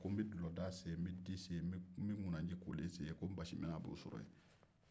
ko n bɛ gulɔdaga sigi n bɛ tisigi n bɛ ŋunajikolen sigi ko basimina b'o sɔrɔ yen sigi